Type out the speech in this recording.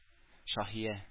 Шаһия